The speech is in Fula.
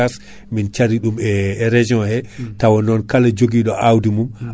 Aprostar koo protection des semences et des plantes